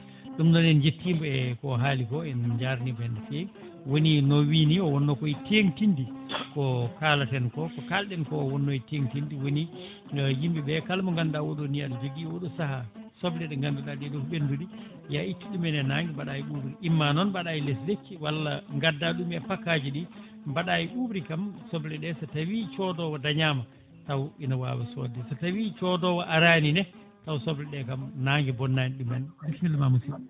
ɗum noon en jettimo e ko haaliko en jarnimo hen no fewi woni no wirini o wonno koye tengtinde ko kalaten ko ko kaalɗen ko wonno e tengtinde woni no yimɓeɓe kala mo ganduɗa oɗo ni aɗa jogui oɗo saaha soble ɗe ganduɗa ɗeɗo ko ɓendude ya ittu ɗumen e nangue mbaɗa e ɓuubri imma noon mbaɗa e less lekki walla gadda ɗum e fakkaji ɗi mbaɗa e ɓubrikam sobleɗe so tawi codowo dañama taw ina wawa sodde so tawi codowo arine taw sobleɗe kam nangue bonnani ɗumen bissimilla ma musidɗo